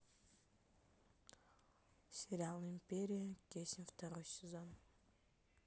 сериал империя кесем второй сезон